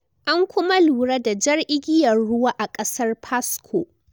An kuma lura da Jar Igiyar Ruwa a kasar Pasco.